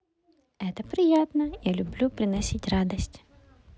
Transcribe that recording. это приятно я люблю приносить радость